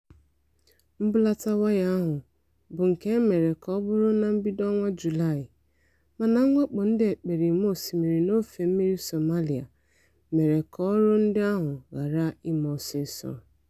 Mbulata waya ahụ bụ nke e mere ka ọ bụrụ na mbido ọnwa Julaị, mana mwakpo ndị ekperima osimmiri n'ofe mmiri Somalia mere ka ọrụ ndị ahụ ghara ime ọsịsọ.